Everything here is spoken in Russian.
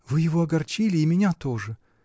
-- Вы его огорчили -- и меня тоже.